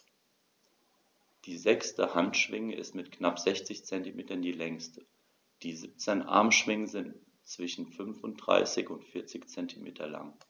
Die sechste Handschwinge ist mit knapp 60 cm die längste. Die 17 Armschwingen sind zwischen 35 und 40 cm lang.